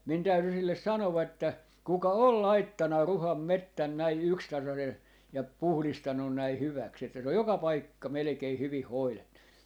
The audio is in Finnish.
minun täytyi sille sanoa että kuka on laittanut Ruhan metsän näin yksitasaisen ja puhdistanut näin hyväksi että se on joka paikka melkein hyvin hoidettu